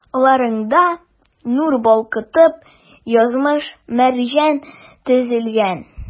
Алларыңда, нур балкытып, язмыш-мәрҗән тезелгән.